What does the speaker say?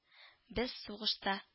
— без сугышта